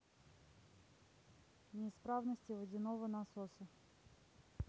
неисправности водяного насоса